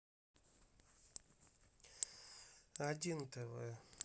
один тв